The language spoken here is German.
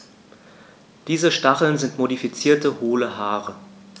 Diese Stacheln sind modifizierte, hohle Haare.